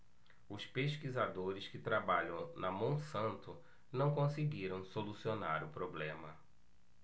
os pesquisadores que trabalham na monsanto não conseguiram solucionar o problema